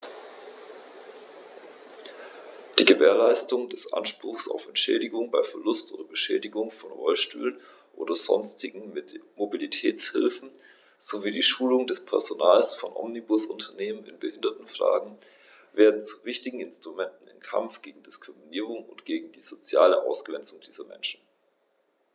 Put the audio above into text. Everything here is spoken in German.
Die Gewährleistung des Anspruchs auf Entschädigung bei Verlust oder Beschädigung von Rollstühlen oder sonstigen Mobilitätshilfen sowie die Schulung des Personals von Omnibusunternehmen in Behindertenfragen werden zu wichtigen Instrumenten im Kampf gegen Diskriminierung und gegen die soziale Ausgrenzung dieser Menschen.